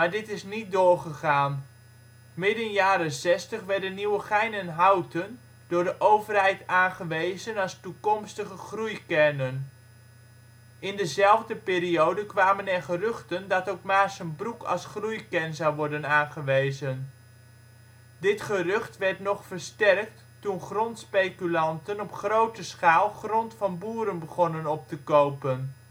dit is niet door gegaan. Midden jaren zestig werden Nieuwegein en Houten door de overheid aangewezen als toekomstige groeikernen. In dezelfde periode kwamen er geruchten dat ook Maarssenbroek als groeikern zou worden aangewezen. Dit gerucht werd nog versterkt toen grondspeculanten op grote schaal grond van boeren begonnen op de kopen